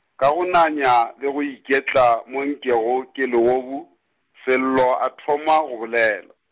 ka go nanya le go iketla mo nkego ke leobu, Sello a thoma go bolela.